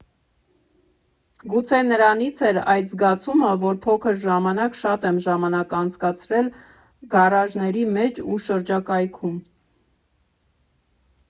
Գուցե նրանից էր այդ զգացումը, որ փոքր ժամանակ շատ եմ ժամանակ անցկացրել գարաժների մեջ ու շրջակայքում…